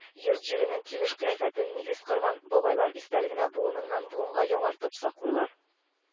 Йорт-җиренең килеш-кыяфәтен нигез корган бабайлар истәлегенә буыннан-буынга яңартып саклыйлар